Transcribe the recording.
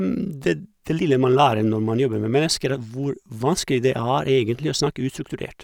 det Det lille man lærer når man jobber med mennesker at hvor vanskelig det er egentlig å snakke ustrukturert.